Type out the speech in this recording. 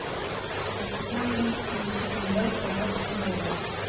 Зөлхиҗҗә аеның унынчы көнендә үткәрелә торган бәйрәм.